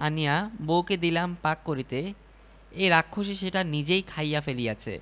গায়ের লোকেরা সকলেই বলাবলি করিল রহিম শেখের ইটাক্ষেতের ধারে পাশে